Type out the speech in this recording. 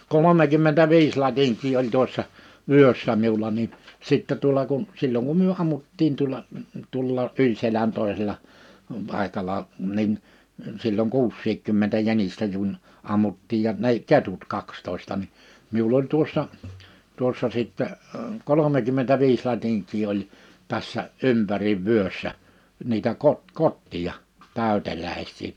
kolmekymmentäviisi latinkia oli tuossa vyössä minulla niin sitten tuolla kun silloin kun me ammuttiin tuolla tuolla yli selän toisella paikalla niin silloin kuusikymmentä jänistä kun ammuttiin ja nekin ketut kaksitoista niin minulla oli tuossa tuossa sitten kolmekymmentäviisi latinkia oli tässä ympäri vyössä niitä - kotteja täyteläisiä